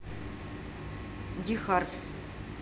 ди хард